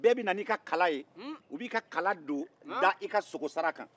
bɛɛ bɛ na n'i ka kala ye u b'i ka kala da i ka sogo sara kan